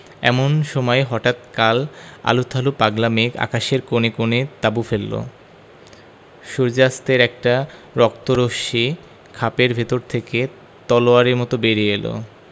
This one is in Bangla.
এমন সময় হঠাৎ কাল আলুথালু পাগলা মেঘ আকাশের কোণে কোণে তাঁবু ফেললো সূর্য্যাস্তের একটা রক্ত রশ্মি খাপের ভেতর থেকে তলোয়ারের মত বেরিয়ে এল